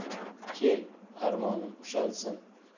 kel armonim ushalsin